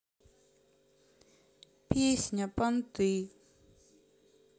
песня понты